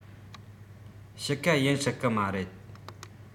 དཔྱིད ཀ ཡིན སྲིད གི མ རེད